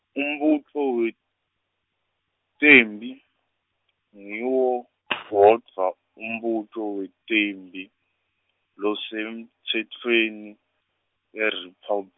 umbutfo wetemphi ngiwo wodvwa umbutfo wetemphi losemtsetfweni eRiphab-.